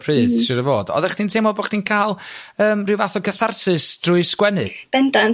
ar y pryd siŵr o fod odda chdi'n teimlo bo' chdi'n ca'l yym ryw fath o gatharsys drwy 'sgwennu?